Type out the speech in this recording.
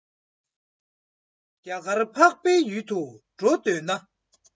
རྒྱ གར འཕགས པའི ཡུལ དུ འགྲོ འདོད ན